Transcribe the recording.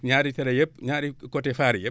ñaari traits yépp ñaari côtés faar yépp